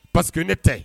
Paseke ne tɛ